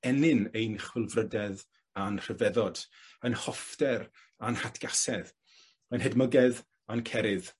ennyn ein chwilfrydedd a’n rhyfeddod, ein hoffter a’n hatgasedd, ein hedmygedd a’n cerydd.